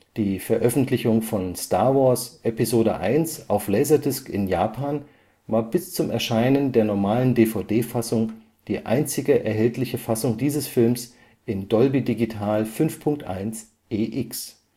Veröffentlichung von Star Wars: Episode I auf Laserdisc in Japan war bis zum Erscheinen der normalen DVD-Fassung die einzige erhältliche Fassung dieses Films in Dolby-Digital 5.1 EX